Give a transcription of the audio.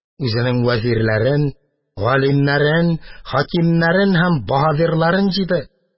Үзенең вәзирләрен, галимнәрен, хакимнәрен һәм баһадирларын җыйды.